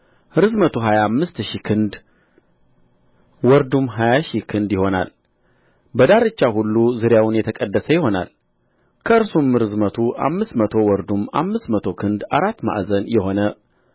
ርዝመቱ ሀያ አምስት ሺህ ክንድ ወርዱም ሀያ ሺህ ክንድ ይሆናል በዳርቻው ሁሉ ዙሪያውን የተቀደሰ ይሆናል ከእርሱም ርዝመቱ አምስት መቶ ወርዱም አምስት መቶ ክንድ አራት ማዕዘን የሆነ